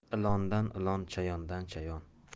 ilondan ilon chayondan chayon